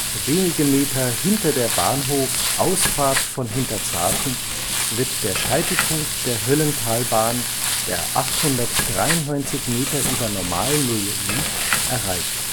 Wenige Meter hinter der Bahnhofsausfahrt von Hinterzarten wird der Scheitelpunkt der Höllentalbahn, der 893 Meter über Normalnull liegt, erreicht